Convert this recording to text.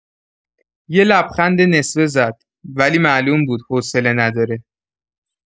یه لبخند نصفه زد، ولی معلوم بود حوصله نداره.